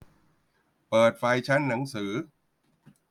เปิดไฟชั้นหนังสือ